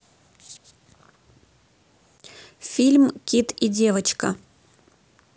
фильм кит и девочка